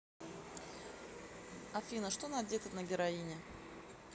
афина что надето на героине